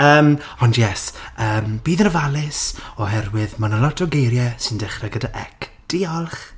Yym, ond yes, yym, bydd yn ofalus oherwydd mae 'na lot o geiriau sy'n dechrau gyda C. Diolch!